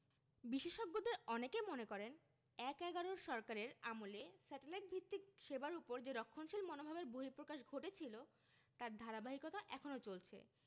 বিশেষজ্ঞদের অনেকে মনে করেন এক–এগারোর সরকারের আমলে স্যাটেলাইট ভিত্তিক সেবার ওপর যে রক্ষণশীল মনোভাবের বহিঃপ্রকাশ ঘটেছিল তার ধারাবাহিকতা এখনো চলছে